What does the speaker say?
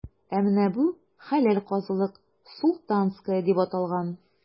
Ә менә бу – хәләл казылык,“Султанская” дип аталган.